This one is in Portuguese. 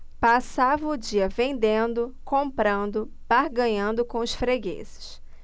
passava o dia vendendo comprando barganhando com os fregueses